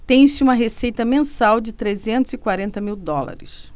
tem-se uma receita mensal de trezentos e quarenta mil dólares